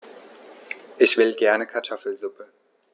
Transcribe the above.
Ich will gerne Kartoffelsuppe.